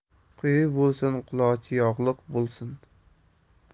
qui bo'lsin qulochi yog'lik bo'lsin